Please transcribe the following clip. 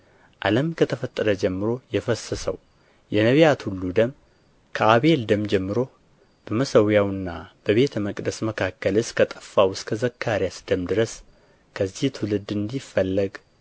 ዓለም ከተፈጠረ ጀምሮ የፈሰሰው የነቢያት ሁሉ ደም ከአቤል ደም ጀምሮ በመሠዊያውና በቤተ መቅደስ መካከል እስከ ጠፋው እስከ ዘካርያስ ደም ድረስ ከዚህ ትውልድ እንዲፈለግ